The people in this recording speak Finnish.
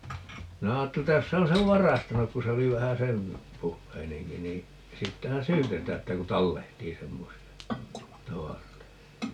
minä ajattelin että jos se on sen varastanut kun se oli vähän sen puheinenkin niin siitähän syytetään että kun tallehtii semmoisia tavaroita